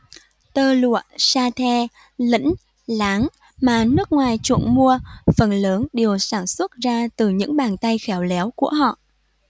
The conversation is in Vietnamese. tơ lụa sa the lĩnh láng mà nước ngoài chuộng mua phần lớn đều sản xuất ra từ những bàn tay khéo léo của họ